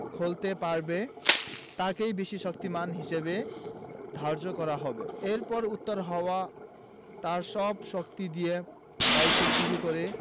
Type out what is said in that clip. খোলাতে পারবে তাকেই বেশি শক্তিমান হিসেবে ধার্য করা হবে এরপর উত্তর হাওয়া তার সব শক্তি দিয়ে বইতে শুরু করে